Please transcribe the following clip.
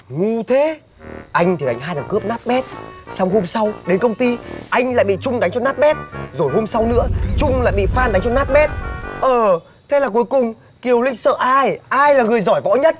ngu thế anh thì đánh hai thằng cướp nát bét xong hôm sau đến công ty anh lại bị trung đánh cho nát bét rồi hôm sau nữa trung lại bị phan đánh cho nát bét ờ thế là cuối cùng kiều linh sợ ai ai là người giỏi võ nhất